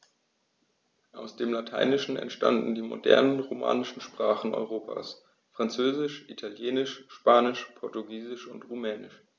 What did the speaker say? Aus dem Lateinischen entstanden die modernen „romanischen“ Sprachen Europas: Französisch, Italienisch, Spanisch, Portugiesisch und Rumänisch.